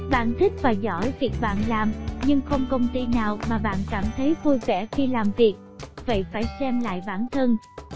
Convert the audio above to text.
bạn thích và giỏi việc bạn làm nhưng bạn không thích làm nhân viên không công ty nào mà bạn cảm thấy vui vẻ khi làm việc vậy phải xem lại bản thân